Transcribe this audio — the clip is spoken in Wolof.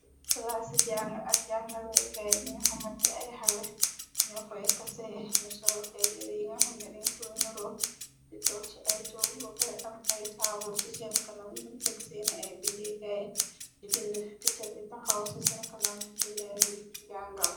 Palaas ci jange ak jàngeekaay bi nga xamate ay xale ñoo foy tasee ñu sol ay yër yi nga xamni diñ koy nuro di toog ci ay toob bokore am ay taabul ci seen kana yiñu teg seeni ay bindekaay di bind ticcabi taxaw ci seen kanam di leen di jangal.